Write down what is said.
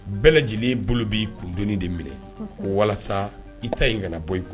Bɛɛ lajɛlen bolo b'i kund de minɛ o walasa i ta in kana bɔ i kuwa